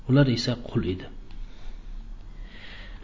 ular esa qul edi